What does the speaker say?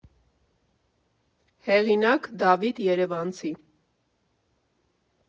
Հեղինակ՝ Դավիթ Երևանցի։